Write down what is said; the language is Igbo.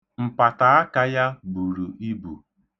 Mpataaka ya buru ibu.